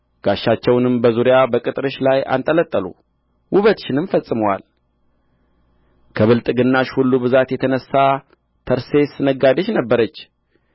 ጋሻቸውንም በዙሪያ በቅጥርሽ ላይ አንጠለጠሉ ውበትሽንም ፈጽመዋል ከብልጥግናሽ ሁሉ ብዛት የተነሣ ተርሴስ ነጋዴሽ ነበረች